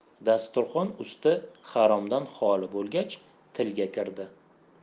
dasturxon usti haromdan holi bo'lgach tilga kirdi